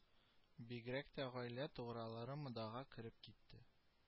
Бигрәк тә гаилә тугралары модага кереп китте